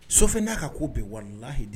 Sofe n'a ka ko bɛ walahi l